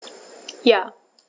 Ja.